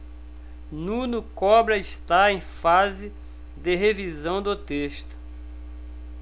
nuno cobra está em fase de revisão do texto